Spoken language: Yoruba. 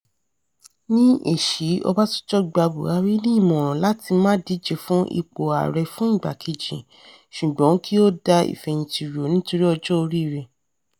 Ní èṣí, Ọbásanjọ́ gba Buhari ni ìmọ̀ràn láti má díje fún ipò Ààrẹ fún ìgbà kejì, ṣùgbọ́n kí ó "da ìfẹ̀yìntì rò nítorí ọjọ́ oríi rẹ̀ ".